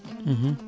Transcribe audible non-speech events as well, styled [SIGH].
[HESITATION] [HESITATION]